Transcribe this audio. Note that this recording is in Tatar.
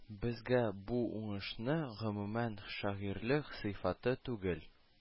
Безгә бу уңышны, гомумән, шагыйрьлек сыйфаты түгел